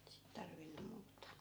sitä tarvinnut muuta